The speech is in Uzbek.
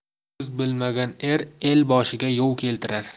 so'z bilmagan er el boshiga yov keltirar